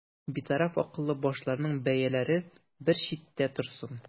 Битараф акыллы башларның бәяләре бер читтә торсын.